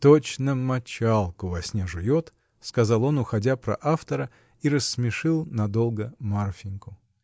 — Точно мочалку во сне жует, — сказал он, уходя, про автора и рассмешил надолго Марфиньку.